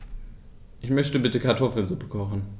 Ich möchte bitte Kartoffelsuppe kochen.